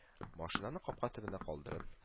Машинаны капка төбендә калдырып